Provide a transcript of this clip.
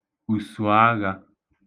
ùsùaghā